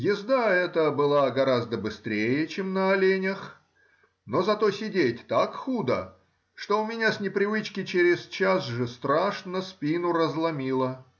Езда эта была гораздо быстрее, чем на оленях, но зато сидеть так худо, что у меня с непривычки через час же страшно спину разломило.